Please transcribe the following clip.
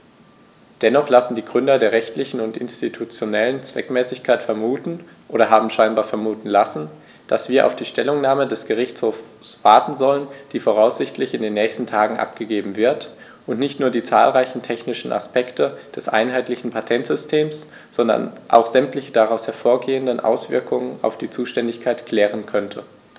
Dennoch lassen die Gründe der rechtlichen und institutionellen Zweckmäßigkeit vermuten, oder haben scheinbar vermuten lassen, dass wir auf die Stellungnahme des Gerichtshofs warten sollten, die voraussichtlich in den nächsten Tagen abgegeben wird und nicht nur die zahlreichen technischen Aspekte des einheitlichen Patentsystems, sondern auch sämtliche daraus hervorgehenden Auswirkungen auf die Zuständigkeit klären könnte.